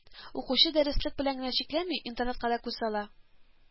Укучы дәреслек белән генә чикләнми, интернетка да күз сала